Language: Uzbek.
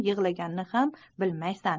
yig'laganini ham bilmaysan